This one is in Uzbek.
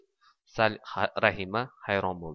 rahima hayron bo'ldi